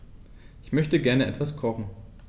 Ich möchte gerne etwas kochen.